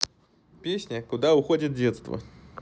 песня куда уходит детство